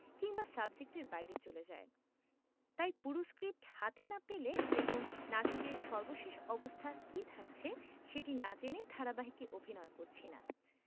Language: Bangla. কিংবা সাবজেক্টের বাইরে চলে যায় তাই পুরো স্ক্রিপ্ট হাতে না পেলে এবং নাটকের সর্বশেষ অবস্থা কী থাকছে সেটি না জেনে ধারাবাহিকে অভিনয় করছি না